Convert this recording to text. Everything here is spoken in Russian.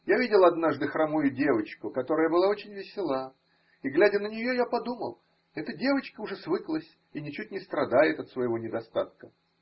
Я видел однажды хромую девочку, которая была очень весела, и, глядя на нее, я подумал: эта девочка уже свыклась и ничуть не страдает от своего недостатка.